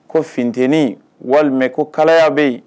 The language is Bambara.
Ko fteni walima ko kalaya bɛ yen